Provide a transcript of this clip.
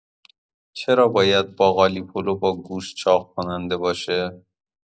چرا باید باقالی‌پلو با گوشت چاق‌کننده باشه؟